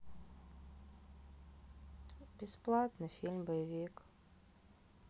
бесплатно фильм боевик